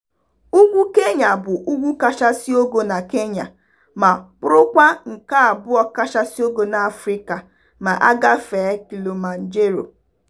Ugwu Kenya bụ ugwu kachasị ogo na Kenya ma bụrụkwa nke abụọ kachasị ogo n'Afrịka, ma a gafee Kilimanjaro.